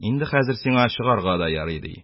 Инде хәзер сиңа чыгарга да ярый,- ди.